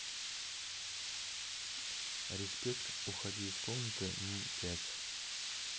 respect уходит из команды м пять